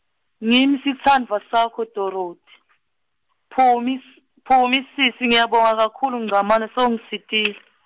ngimi sitsandvwa sakho Dorothi, Phumi s-, Phumi sisi ngiyabonga kakhulu Ngcamane sewungisitile.